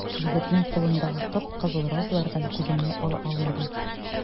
Егетнең кулындагы кып-кызыл розалардан күземне ала алмадым.